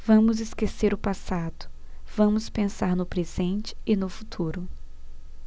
vamos esquecer o passado vamos pensar no presente e no futuro